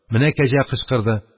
Менә кәҗә кычкырды.